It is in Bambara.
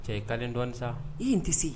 Cɛ ye ka dɔn sa i in tɛ